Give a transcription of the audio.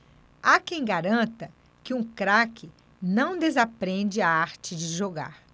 há quem garanta que um craque não desaprende a arte de jogar